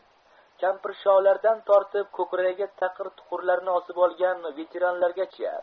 kampirsholardan tortib ko'kragiga taqir tuqirlarni osib olgan veteranlargacha